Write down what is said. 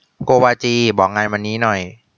โกวาจีบอกงานวันนี้หน่อย